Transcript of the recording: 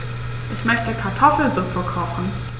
Ich möchte Kartoffelsuppe kochen.